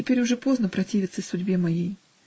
) "Теперь уже поздно противиться судьбе моей